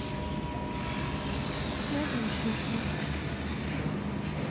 следующую шутку